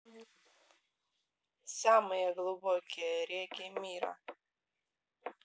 самые глубокие реки мира